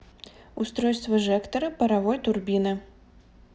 устройство жектора паровой турбины